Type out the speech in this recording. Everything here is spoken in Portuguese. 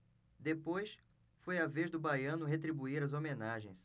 depois foi a vez do baiano retribuir as homenagens